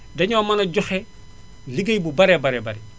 dañoo mën a joxe ligéey bu baree baree bari